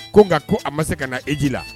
Ko n nka ko a ma se ka na eji la